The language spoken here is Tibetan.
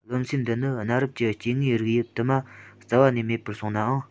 རློམ སེམས འདི ནི གནའ རབས ཀྱི སྐྱེ དངོས རིགས དབྱིབས དུ མ རྩ བ ནས མེད པར སོང ནའང